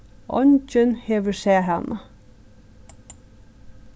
eingin hevur sæð hana